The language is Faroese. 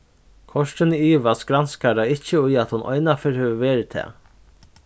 kortini ivast granskarar ikki í at hon einaferð hevur verið tað